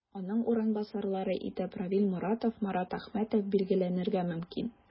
Аның урынбасарлары итеп Равил Моратов, Марат Әхмәтов билгеләнергә мөмкин.